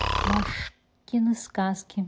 машкины сказки